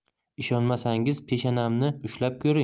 ishonmasangiz peshanamni ushlab ko'ring